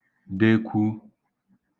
dekwu